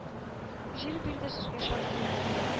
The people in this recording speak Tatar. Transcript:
Җир бирде сезгә шат көннәрне,